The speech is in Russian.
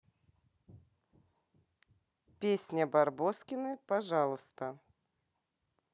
песня барбоскины пожалуйста